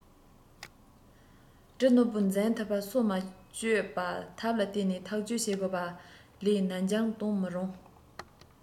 གྲི རྣོ པོས འཛིང ཐེབས པའི སོ མ གཅོད པའི ཐབས ལ བརྟེན ནས ཐག གཅོད བྱེད དགོས པ ལས ནར འགྱངས གཏོང མི རུང